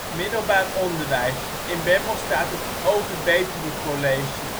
Middelbaar onderwijs: In Bemmel staat het Over Betuwe College